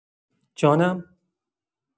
جانم؟!